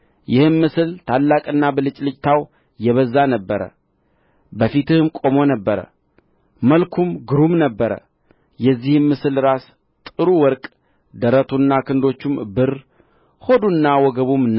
ይህም ምስል ታላቅና ብልጭልጭታው የበዛ ነበረ በፊትህም ቆሞ ነበር መልኩም ግሩም ነበረ የዚህም ምስል ራስ ጥሩ ወርቅ ደረቱና ክንዶቹም ብር ሆዱና ወገቡም